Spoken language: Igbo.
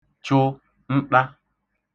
chụ nṭa